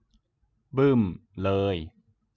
บึ้มเลย